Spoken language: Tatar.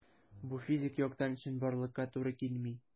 Бу физик яктан чынбарлыкка туры килми.